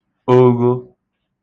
ogho